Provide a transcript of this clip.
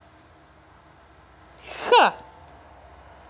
ха